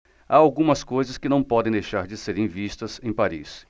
há algumas coisas que não podem deixar de serem vistas em paris